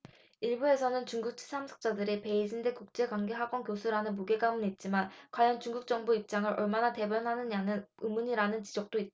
일부에서는 중국 측 참석자들이 베이징대 국제관계학원 교수라는 무게감은 있지만 과연 중국 정부 입장을 얼마나 대변하느냐는 의문이라는 지적도 있다